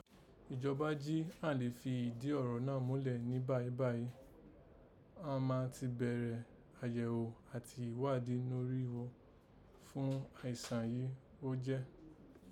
Ijoba jí àán lè fi ìdí ọ̀rọ̀ náà múlẹ̀ ni bàyìíbáyìí, àmá àghan tí bẹ̀rẹ̀ àyẹ̀ghò àti ìghádìí norígho fún àìsàn yìí gho jẹ́